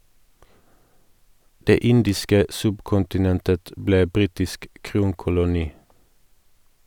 Det indiske subkontinentet ble britisk kronkoloni.